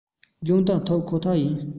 སྦྱོང བརྡར ཐོབ ཁོ ཐག ཡིན